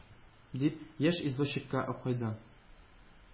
- дип, яшь извозчикка акайды.